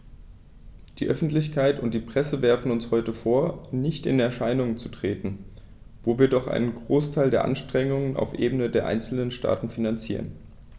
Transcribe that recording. Die Öffentlichkeit und die Presse werfen uns heute vor, nicht in Erscheinung zu treten, wo wir doch einen Großteil der Anstrengungen auf Ebene der einzelnen Staaten finanzieren.